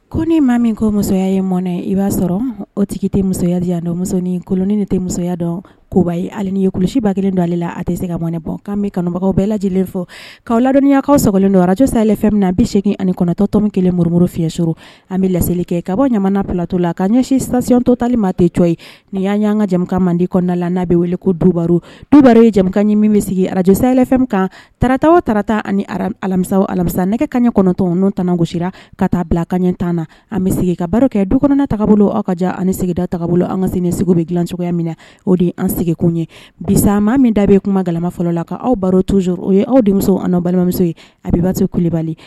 Ko ni maa min ko musoya ye mɔnɛ i b'a sɔrɔ o tigi tɛ musoyadi yan dɛ musonin kolonin tɛ musoya dɔn kobaye ali ye kulusiba kelen dɔ ale la a tɛ se ka bɔ bɔ' min kanubagaw bɛɛ lajɛ lajɛlenlen fɔ kaaw ladɔnyakaw sogo don arajsafɛ min na bi segingin ani kɔnɔtɔtɔ min kelen morimuru fi fiɲɛɲɛsour an bɛ laseli kɛ ka bɔ ɲamana platɔ la ka ɲɛsinsisiytɔtali maa tɛ co ye nin y'a y'an ka jamana mande kɔnɔna la n'a bɛ wele ko duba duba ye jamanakan ɲɛ min bɛ sigi arajsɛfɛn kan tarata tata ani arara alamisa alamisa nɛgɛ ka ɲɛ9tɔn n tgosi ka taa bila ka ɲɛtan na an bɛ sigi ka baara kɛ du kɔnɔna taga aw ka jan sigida ta bolo an ka sen segu bɛ g dilanlansoya minɛ o de an sigikun ɲɛ bi mɔgɔ min da bɛ kuma galama fɔlɔ la ka aw baro toy o ye aw denmuso an balimamuso ye a bɛbaso kubali